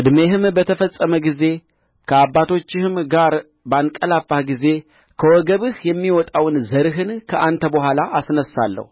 ዕድሜህም በተፈጸመ ጊዜ ከአባቶችህም ጋር ባንቀላፋህ ጊዜ ከወገብህ የሚወጣውን ዘርህን ከአንተ በኋላ አስነሣለሁ